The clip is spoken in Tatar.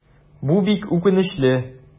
Бу бик үкенечле.